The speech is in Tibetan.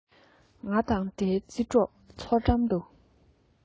ང དང དའི རྩེ གྲོགས འཚོ གྲམ དུ